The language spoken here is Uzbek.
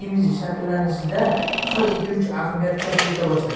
imiji shakllanishida hal etuvchi ahamiyat kasb eta boshladi